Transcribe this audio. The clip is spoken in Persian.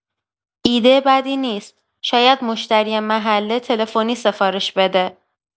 ایده بدی نیست، شاید مشتری محله تلفنی سفارش بده.